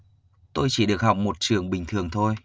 tôi chỉ được học ở một trường bình thường thôi